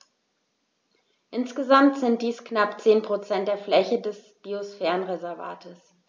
Insgesamt sind dies knapp 10 % der Fläche des Biosphärenreservates.